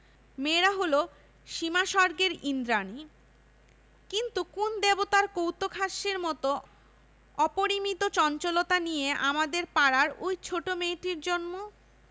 মেয়েরা হল সীমাস্বর্গের ঈন্দ্রাণী কিন্তু কোন দেবতার কৌতূকহাস্যের মত অপরিমিত চঞ্চলতা নিয়ে আমাদের পাড়ায় ঐ ছোট মেয়েটির জন্ম